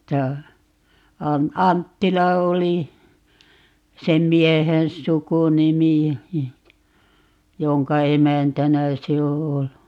tämä - Anttila oli sen miehen sukunimi jonka emäntänä se on ollut